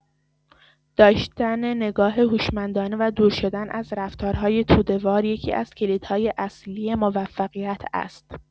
داشتن نگاه هوشمندانه و دور شدن از رفتارهای توده‌وار یکی‌از کلیدهای اصلی موفقیت است.